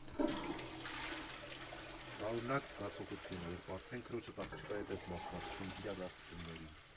Տարօրինակ զգացողություն է, երբ արդեն քրոջդ աղջկա հետ ես մասնակցում իրադարձություններին։